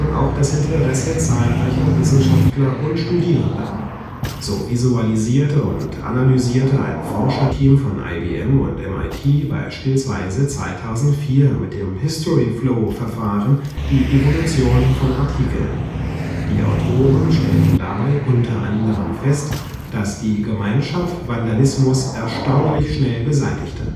auch das Interesse zahlreicher Wissenschafter und Studierender. So visualisierte und analysierte ein Forscherteam von IBM und MIT beispielsweise 2004 mit dem Historyflow-Verfahren die Evolution von Artikeln. Die Autoren stellten dabei unter anderem fest, dass die Gemeinschaft Vandalismus erstaunlich schnell beseitigte